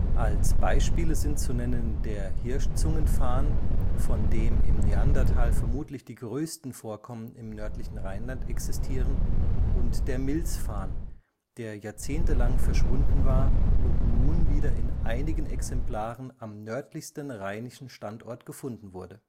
Als Beispiele sind zu nennen der Hirschzungenfarn (im Neandertal existieren vermutlich die größten Vorkommen im nördlichen Rheinland) und der Milzfarn, der Jahrzehnte lang verschwunden war und nun wieder in wenigen Exemplaren am nördlichsten rheinischen Standort gefunden wurde